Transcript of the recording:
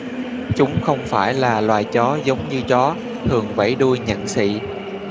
chúng không phải là loại chó giống như chó thường vẫy đuôi nhặng xị